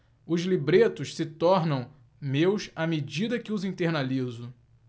os libretos se tornam meus à medida que os internalizo